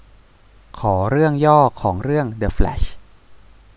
ขอเรื่องย่อของเรื่องเดอะแฟลช